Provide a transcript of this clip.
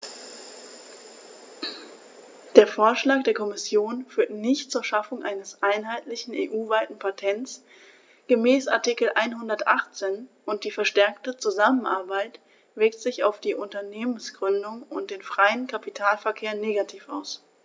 Der Vorschlag der Kommission führt nicht zur Schaffung eines einheitlichen, EU-weiten Patents gemäß Artikel 118, und die verstärkte Zusammenarbeit wirkt sich auf die Unternehmensgründung und den freien Kapitalverkehr negativ aus.